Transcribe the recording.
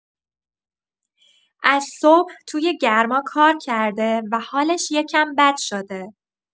از صبح توی گرما کار کرده و حالش یکم بد شده.